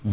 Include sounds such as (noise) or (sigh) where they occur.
(hesitation) (hesitation)